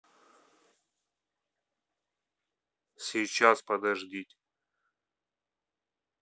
сейчас подождите